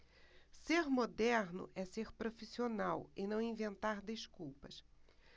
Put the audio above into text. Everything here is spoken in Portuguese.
ser moderno é ser profissional e não inventar desculpas